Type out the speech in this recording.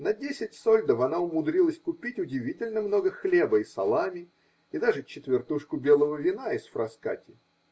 На десять сольдов она умудрилась купить удивительно много хлеба и салами и даже четвертушку белого вина из Фраскати